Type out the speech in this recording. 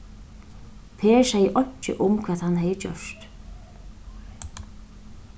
per segði einki um hvat hann hevði gjørt